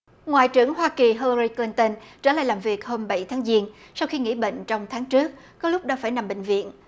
ngoại trưởng hoa kỳ hi la ry cờ lin tơn trở lại làm việc hôm bảy tháng giêng sau khi nghỉ bệnh trong tháng trước có lúc đã phải nằm bệnh viện